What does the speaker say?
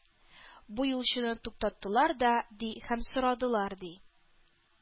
Бу юлчыны туктаттылар да, ди, һәм сорадылар, ди: